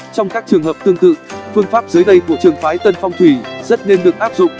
trong các trường hợp tương tự phương pháp dưới đây của trường phái tân phong thủy rất nên được áp dụng